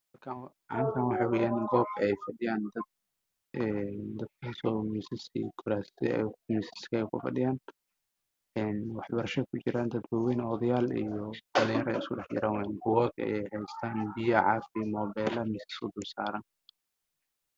Meeshan waa iskool waxaa jooga niman waaweyn waxa ay ku baranayaan casharo kuraas jaalal ayey ku fadhiyaan